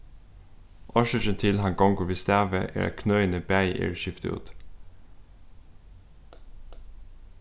orsøkin til at hann gongur við stavi er at knøini bæði eru skift út